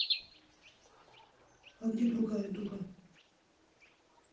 а где другая дура